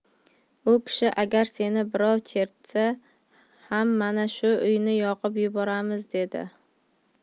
u kishi agar seni birov chertsa ham mana shu uyni yoqib yuboramiz dedi